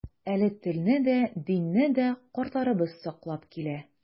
Әле телне дә, динне дә картларыбыз саклап килә.